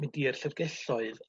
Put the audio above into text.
mynd i'r llyfgelloedd